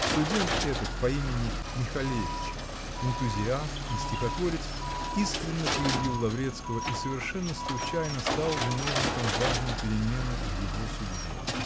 Студент этот, по имени МихалевиЧ, энтузиаст и стихотворец, искренно полюбил Лаврецкого и совершенно случайно стал виновником важной перемены в его судьбе.